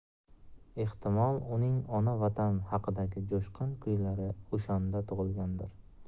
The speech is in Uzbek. ehtimol uning ona vatan haqidagi jo'shqin kuylari o'shanda tug'ilgandir